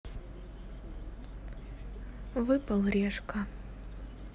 выпал решка